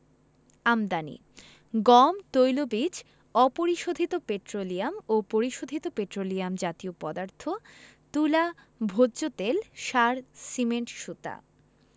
আমদানিঃ গম তৈলবীজ অপরিশোধিত পেট্রোলিয়াম ও পরিশোধিত পেট্রোলিয়াম জাতীয় পদার্থ তুলা ভোজ্যতেল সার সিমেন্ট সুতা